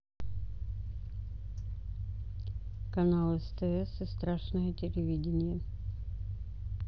канал стс и страшное телевидение